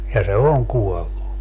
ja se on kuollut